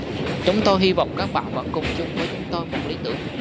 chúng tôi hi vọng các bạn vẫn cùng chung với chúng tôi một lý tưởng